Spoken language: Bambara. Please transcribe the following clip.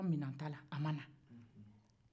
a ma na